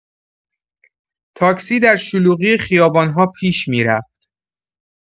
تاکسی در شلوغی خیابان‌ها پیش می‌رفت.